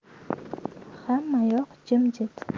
hammayoq jimjit